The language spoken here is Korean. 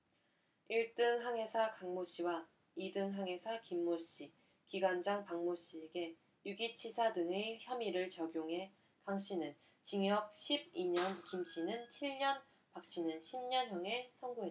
일 등 항해사 강모씨와 이 등 항해사 김모씨 기관장 박모씨에게 유기치사 등의 혐의를 적용해 강씨는 징역 십 이 년 김씨는 칠 년 박씨는 십 년 형을 선고했다